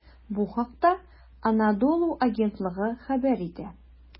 Бу хакта "Анадолу" агентлыгы хәбәр итә.